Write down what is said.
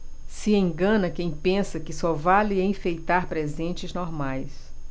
se engana quem pensa que só vale enfeitar presentes normais